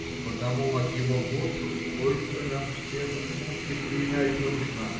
Потому от его бунту сколько нам всем муки принять нужно!